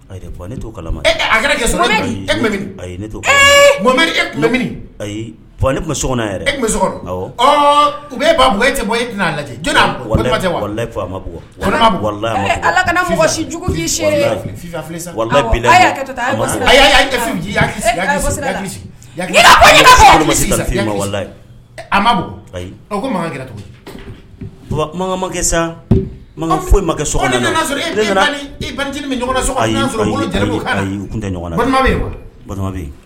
A to kala e ayi ayi e u bɛ e ba e tɛ e lajɛla ala kanajugu a ma ayi a babakɛ sa foyi nana tɛ